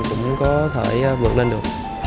cũng có thể vượt lên được